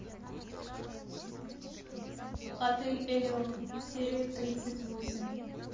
отель элеон серия тридцать восемь